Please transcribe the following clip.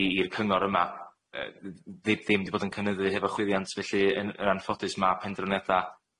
i i'r cyngor yma yy ddim 'di bod yn cynyddu hefo chwyddiant felly yn yn anffodus ma' penderyniada